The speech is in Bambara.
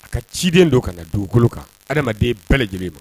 A ka ciden don ka ka dugukolo kan adamadamaden bɛɛ lajɛlen ma